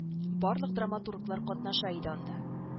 Барлык драматурглар катнаша иде анда